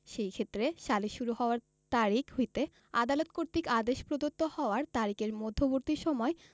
সেইক্ষেত্রে সালিস শুরু হওয়ার তারিখ হইতে আদালত কর্তৃক আদেশ প্রদত্ত হওয়ার তারিখের মধ্যবর্তী সময়